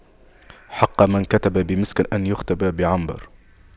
حق من كتب بمسك أن يختم بعنبر